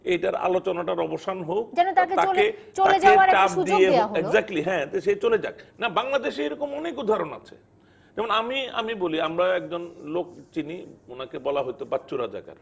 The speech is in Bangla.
এটার আলোচনার অবসান হোক যেন তার তাকে চলে যাওয়ার একটা সুযোগ দেয়া হল এগজ্যাক্টলি হ্যাঁ সে চলে যাক না বাংলাদেশে এরকম অনেক উদাহরণ আছে যেমন আমি আমি বলি আমরা একজন লোক চিনি উনাকে বলা হতো বাচ্চু রাজাকার